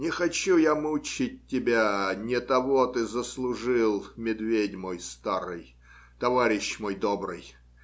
Не хочу я мучить тебя, не того ты заслужил, медведь мой старый, товарищ мой добрый.